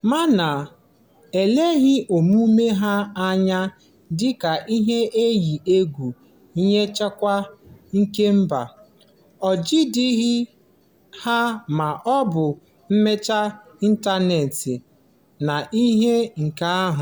Mana e leghị omume ha anya dị ka ihe iyi egwu nye nchekwa kemba; ejideghị ha ma ọ bụ mechie ịntaneetị n'ihi nke a.